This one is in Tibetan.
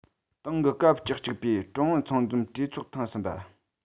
ཏང གི སྐབས བཅུ གཅིག པའི ཀྲུང ཨུ ཚང འཛོམས གྲོས ཚོགས ཐེངས གསུམ པ